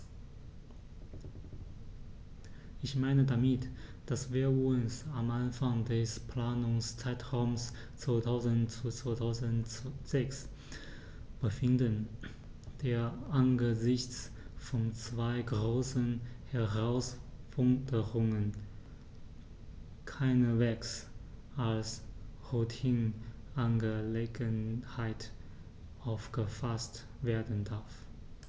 Ich meine damit, dass wir uns am Anfang des Planungszeitraums 2000-2006 befinden, der angesichts von zwei großen Herausforderungen keineswegs als Routineangelegenheit aufgefaßt werden darf.